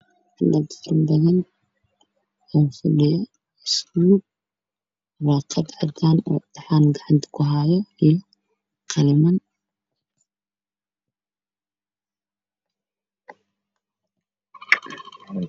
Waa iskuul waxaa fadhiya niman imtaxan ku jiro waxey gacanta ku hayan war qado cadaan ah